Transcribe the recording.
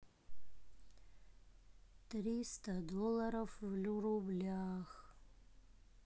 триста долларов в рублях